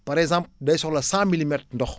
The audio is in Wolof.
par exemple day soxla cent milimètres ndox